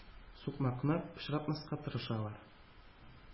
Сукмакны пычратмаска тырышалар.